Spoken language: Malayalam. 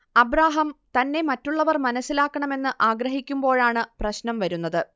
അബ്രാഹം തന്നെ മറ്റുള്ളവർ മനസ്സിലാക്കണമെന്ന് ആഗ്രഹിക്കുമ്പോഴാണ് പ്രശ്നം വരുന്നത്